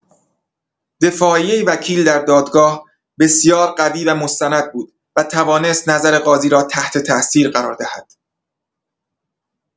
دفاعیه وکیل در دادگاه بسیار قوی و مستند بود و توانست نظر قاضی را تحت‌تاثیر قرار دهد.